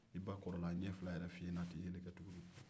i ba kɔrɔla a ɲɛ fila yɛrɛ fyenna a tɛ yelikɛ tugunni